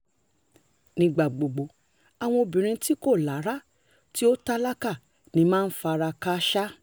Nígbàgbogbo, àwọn obìnrin tí kò lárá tí ó tálákà ní í máa ń fi ara kááṣá.